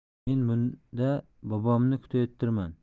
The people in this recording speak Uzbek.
men bunda bobomni kutayotirman